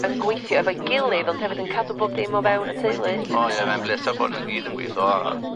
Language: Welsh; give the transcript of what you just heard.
yn gweithio efo'i gilydd ond hefyd yn cadw bob dim o fewn y teulu. O ie mae'n bleser bod nw gyd yn gwitho a